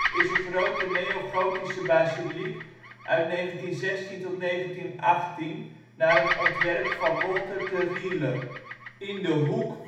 is een grote neogotische basiliek uit 1916-1918 naar een ontwerp van Wolter te Riele. In de hoek